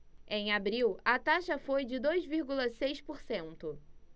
em abril a taxa foi de dois vírgula seis por cento